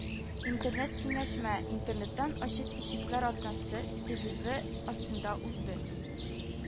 Интернет-киңәшмә “Интернетта ачык ишекләр атнасы” девизы астында узды